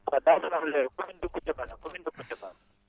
waaw Darou Salaam Lewe commune de Koutiéba la commune de Koutiéba